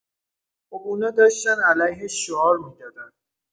خب اونا داشتن علیه‌اش شعار می‌دادن